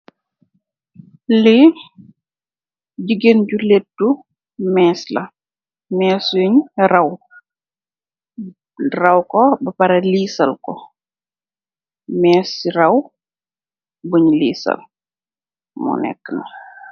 Lii jigéen ju lëëtu méés la, méés yuñge raw. Raw ko bë pare liisal ko. Méés raw, buñge liisal, moo néékë nii.